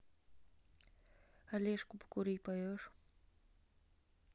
олежку покурить пойдешь